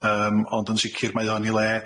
yym, ond yn sicir mae o yn 'i le,